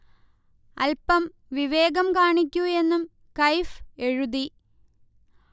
'അൽപം വിവേകം കാണിക്കൂ' എന്നും കയ്ഫ് എഴുതി